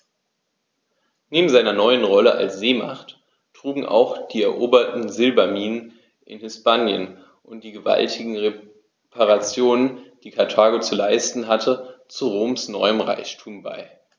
Neben seiner neuen Rolle als Seemacht trugen auch die eroberten Silberminen in Hispanien und die gewaltigen Reparationen, die Karthago zu leisten hatte, zu Roms neuem Reichtum bei.